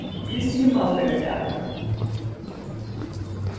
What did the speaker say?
kristi himmalsferðardagur